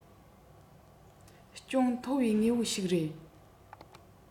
ཅུང མཐོ བའི དངོས པོ ཞིག རེད